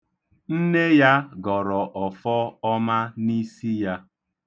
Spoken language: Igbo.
Nne ya gọrọ ọfọ ọma n'isi ya.